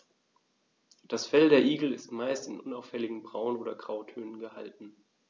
Das Fell der Igel ist meist in unauffälligen Braun- oder Grautönen gehalten.